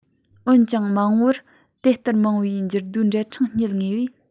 འོན ཀྱང མ འོངས པར དེ ལྟར མང བའི འགྱུར རྡོའི འབྲེལ ཕྲེང རྙེད ངེས པས